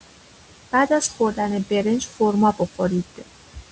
بعد از خوردن برنج خرما بخورید!